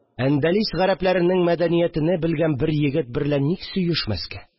Әндәлес гарәпләренең мәдәниятене белгән бер егет берлә ник сөешмәскә